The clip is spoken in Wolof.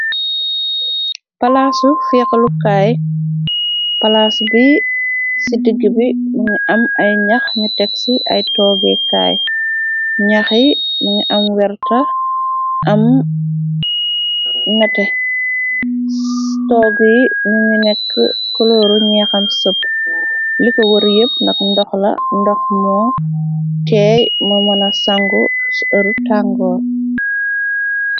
Palaasu feexlu kaay, palaas bi ci digg bi mingi am ay ñjax nu tegsi ay tooge kaay , ñax yi mingi am werta am nete, togg yi mingi nekk kolóoru ñeexam sëp. Li ko wër yépp nak ndox la, ndox mu teey mu mëna sàngu si ëru tangoor.